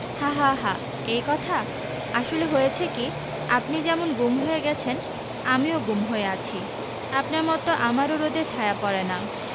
হা হা হা এই কথা আসলে হয়েছে কি আপনি যেমন গুম হয়ে গেছেন আমিও গুম হয়ে আছি আপনার মতো আমারও রোদে ছায়া পড়ে না